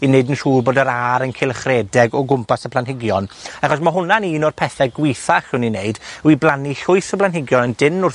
i neud yn siŵr bod yr a'r yn cylchredeg o gwmpas y planhigion, achos ma' hwnna'n un o'r pethe gwitha allwn ni neud, yw i blannu llwyth o blanhigion yn dyn wrth